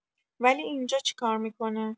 ولی اینجا چیکار می‌کنه؟